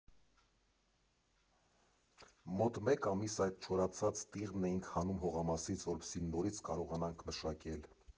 Մոտ մեկ ամիս այդ չորացած տիղմն էինք հանում հողամասից, որպեսզի նորից կարողանանք մշակել։